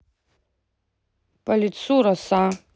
по лицу роса